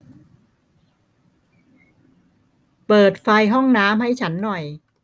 เปิดไฟห้องน้ำให้ฉันหน่อย